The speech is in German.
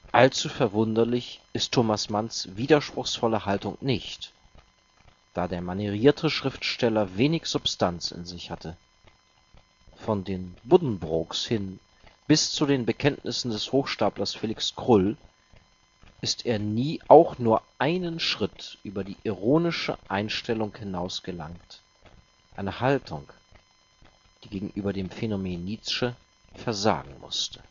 Allzu verwunderlich ist Thomas Manns widerspruchsvolle Haltung nicht, da der manirierte Schriftsteller wenig Substanz in sich hatte. Von den Buddenbrooks bis hin zu den Bekenntnissen des Hochstaplers Felix Krull ist er nie auch nur einen Schritt über die ironische Einstellung hinaus gelangt, eine Haltung, die gegenüber dem Phänomen Nietzsche versagen musste